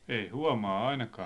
ei huomaa ainakaan